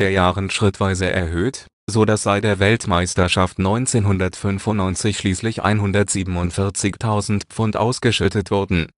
Jahren schrittweise erhöht, sodass seit der Weltmeisterschaft 1995 schließlich 147.000 £ ausgeschüttet wurden